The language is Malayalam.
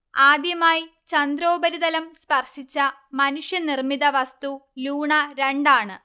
ആദ്യമായി ചന്ദ്രോപരിതലം സ്പർശിച്ച മനുഷ്യനിർമിത വസ്തു ലൂണ രണ്ട് ആണ്